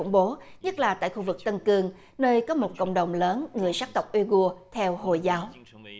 khủng bố nhất là tại khu vực tân cương nơi có một cộng đồng lớn người sắc tộc uy bô theo hồi giáo